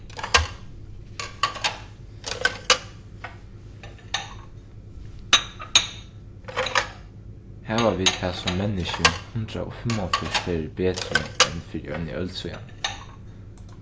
hava vit tað sum menniskju hundrað og fimmoghálvfjerðs ferðir betri enn fyri eini øld síðani